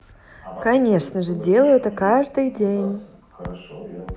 конечно же делаю это каждый день